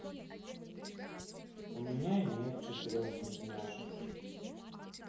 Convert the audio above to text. у меня нет четырех близняшек